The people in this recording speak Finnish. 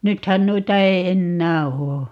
nythän noita ei enää ole